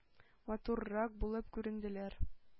Матуррак булып күренделәр.